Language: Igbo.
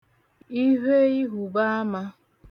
ivheihùbaamā